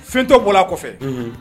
Ftɔ bolo a kɔfɛ